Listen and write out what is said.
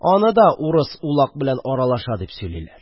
Аны да урыс-улак белән аралаша дип сөйлиләр.